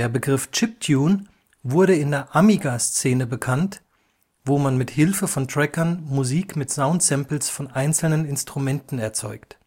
Begriff Chiptune wurde in der Amiga – Szene bekannt, wo man mit Hilfe von Trackern Musik mit Soundsamples von einzelnen Instrumenten erzeugt